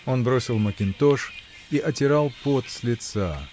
Он бросил мекинтош и отирал пот с лица.